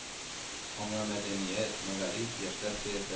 Аңа мәдәният, мәгариф, яшьләр сәясә